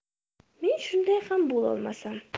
men shunday ham bo'lolmasam